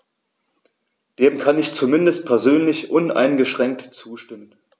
Dem kann ich zumindest persönlich uneingeschränkt zustimmen.